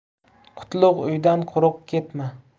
qutlug' uydan quruq ketma